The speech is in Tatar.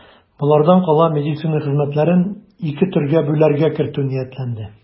Болардан кала медицина хезмәтләрен ике төргә бүләргә кертү ниятләнде.